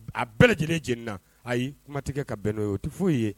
A bɛɛ lajɛlen jeni na ayi kuma tɛ kɛ ka bɛn n'o ye o tɛ foyi ye.